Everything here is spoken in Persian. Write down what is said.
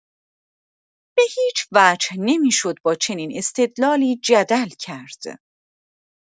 به‌هیچ‌وجه نمی‌شد با چنین استدلالی جدل کرد.